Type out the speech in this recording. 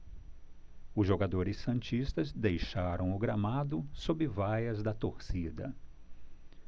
os jogadores santistas deixaram o gramado sob vaias da torcida